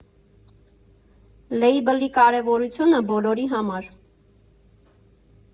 Լեյբլի կարևորությունը բոլորի համար։